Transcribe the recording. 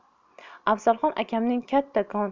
afzalxon akamning kattakon